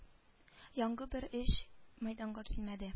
Яңгы бер эш мәйданга килмәде